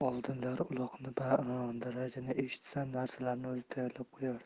oldinlari uloqning daragini eshitsa narsalarni o'zi tayyorlab qo'yardi